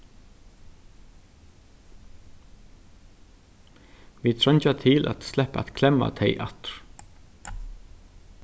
vit treingja til at sleppa at klemma tey aftur